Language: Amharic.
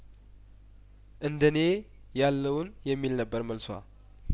እንደኔ ያለውን የሚል ነበር መልሷ